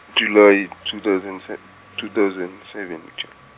Julae, two thousand se-, two thousand seventy.